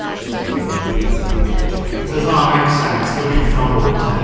Just to make it mwy engaging. Does that make sense? Gobeithio bod e.